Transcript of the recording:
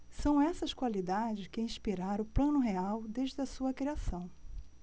são essas qualidades que inspiraram o plano real desde a sua criação